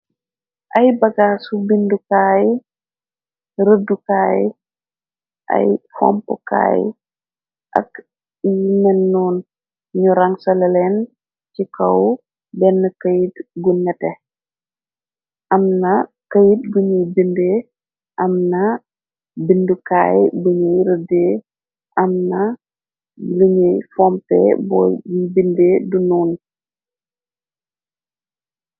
Ay bagaasu bindukaay rëddukaay ay fompkaay ak li nennoon ñu rang salaleen ci kaw denn këyit gu nete amna këyit guñuy binde am na bindukaay buñuy rëdde amna lunuy fompe bo yuy binde dunoon.